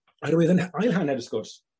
A'r wedyn ail hanner o sgwrs